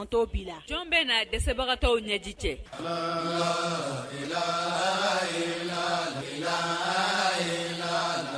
' jɔn bɛna na dɛsɛbagatɔw ɲɛji cɛ